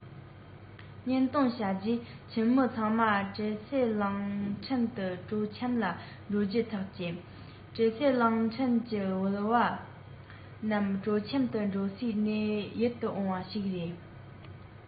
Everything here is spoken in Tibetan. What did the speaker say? གཉེན སྟོན བྱས རྗེས ཁྱིམ མི ཚང མ ཀྲེར སེ གླིང ཕྲན དུ སྤྲོ འཆམ ལ འགྲོ རྒྱུའི ཐག བཅད ཀྲེར སེ གླིང ཕྲན ནི དབུལ པོ རྣམས སྤྲོ འཆམ དུ འགྲོ སའི གནས ཡིད དུ འོང བ ཞིག རེད